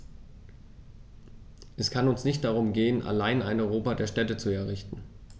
Es kann uns nicht darum gehen, allein ein Europa der Städte zu errichten.